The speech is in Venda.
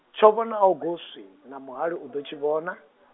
tsho vhona u kusi, na mo haḽo u ndi tshi vhona.